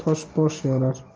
tosh bosh yorar